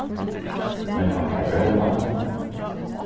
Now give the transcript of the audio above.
ein pakka av róma